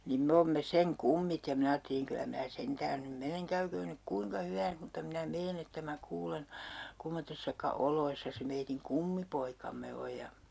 niin me olemme sen kummit ja minä ajattelin kyllä minä sentään nyt menen käyköön nyt kuinka hyvänsä mutta minä menen että minä kuulen kummoisissa oloissa se meidän kummipoikamme on ja